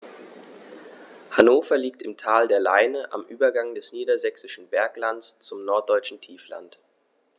Hannover liegt im Tal der Leine am Übergang des Niedersächsischen Berglands zum Norddeutschen Tiefland.